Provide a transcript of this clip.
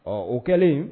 Ɔ o kɛlen